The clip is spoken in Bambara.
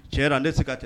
Cɛ ale se ka tɛ